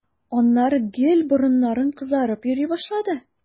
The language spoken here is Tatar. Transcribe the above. Аннары гел борыннарың кызарып йөри башлады.